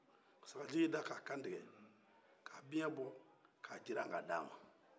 ka sagajigi da ka a kan tɛgɛ ka abiyɛn ka jiran ka d'a ma